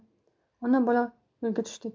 ona bola yo'lga tushdik